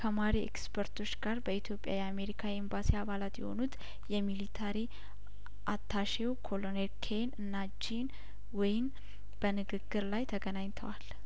ከማሪ ኤክስፐርቶች ጋር በኢትዮጵያ የአሜሪካ ኤምባሲ አባላት የሆኑት የሚሊታሪ አታሼው ኮሎኔል ኬን እና ጂንው ይን በንግግር ላይ ተገናኝተዋል